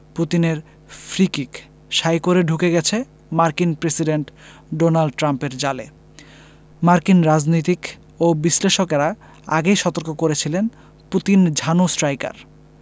পুতিনের free kick শাঁই করে ঢুকে গেছে মার্কিন প্রেসিডেন্ট ডোনাল্ড ট্রাম্পের জালে মার্কিন রাজনীতিক ও বিশ্লেষকেরা আগেই সতর্ক করেছিলেন পুতিন ঝানু স্ট্রাইকার